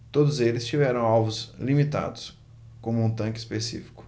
todos eles tiveram alvos limitados como um tanque específico